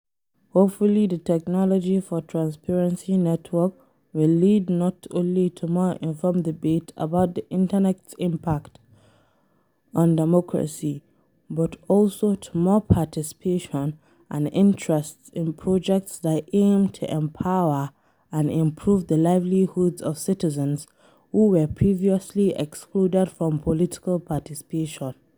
Hopefully the Technology for Transparency Network will lead not only to more informed debate about the Internet's impact on democracy, but also to more participation and interest in projects that aim to empower and improve the livelihoods of citizens who were previously excluded from political participation.